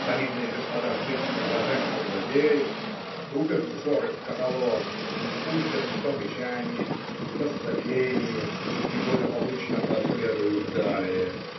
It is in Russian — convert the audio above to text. Солидные господа с бычьими глазами поглазеют, потупят взоры в каталог, испустят не то мычание, не то сопенье и благополучно проследуют далее.